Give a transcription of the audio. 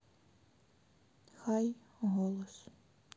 хай глосс